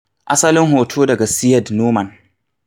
Asalin hoto daga Syed Noman.